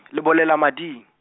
lebolela mading.